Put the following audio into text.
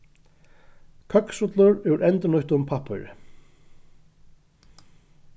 køksrullur úr endurnýttum pappíri